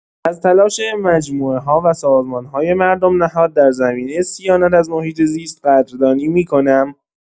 از تلاش مجموعه‌ها و سازمان‌های مردم‌نهاد در زمینه صیانت از محیط‌زیست قدردانی می‌کنم.